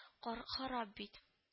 Кархарап бит